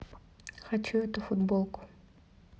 хочу эту футболку